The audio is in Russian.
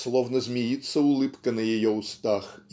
Словно змеится улыбка на ее устах